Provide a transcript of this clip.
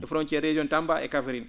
e frontiére région Tamba e Kafrine